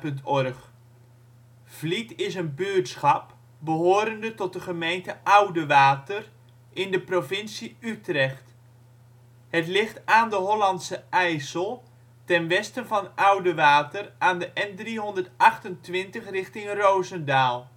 NB 4° 51 ' OL Vliet buurtschap in Nederland Situering Provincie Utrecht Gemeente Oudewater Coördinaten 52° 1′ NB, 4° 51′ OL Portaal Nederland Vliet is een buurtschap behorende tot de gemeente Oudewater in de provincie Utrecht. Het ligt aan de Hollandsche IJssel ten westen van Oudewater aan de N328 richting Rozendaal